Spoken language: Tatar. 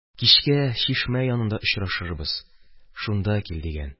«кичкә чишмә янында очрашырбыз, шунда кил» дигән.